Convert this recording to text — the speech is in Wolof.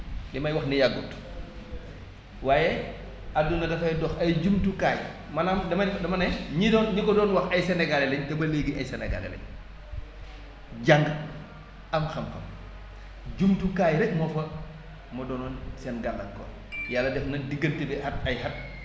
li may wax nii yàggut waaye adduna dafay dox ay jumtukaay maanaam dama ne dama ne ñi doon ñi ko doon wax ay Sénégalis lañ te ba léegi ay Sénégalais lañu jàng am xam-xam jumtukaay rekk moo fa moo doonoon seen gàllankoor Yàlla def na diggante bi at ay at